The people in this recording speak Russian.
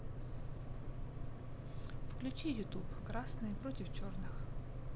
включи ютуб красные против черных